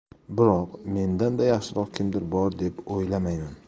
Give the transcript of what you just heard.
biroq mendan da yaxshiroq kimdir bor deb o'ylamayman